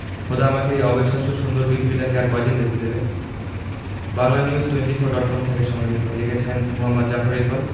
খোদা আমাকে এই অবিশ্বাস্য সুন্দর পৃথিবীটিকে আরো কয়দিন দেখতে দেবে বাংলানিউজ টোয়েন্টিফোর ডট কম থেকে সংগৃহীত লিখেছেন মুহাম্মদ জাফর ইকবাল